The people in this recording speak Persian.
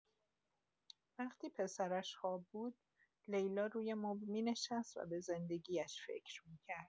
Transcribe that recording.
وقتی پسرش خواب بود، لیلا روی مبل می‌نشست و به زندگی‌اش فکر می‌کرد.